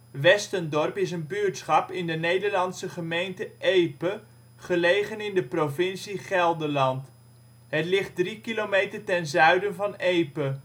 Westendorp is een buurtschap in de Nederlandse gemeente Epe, gelegen in de provincie Gelderland. Het ligt 3 kilometer ten zuiden van Epe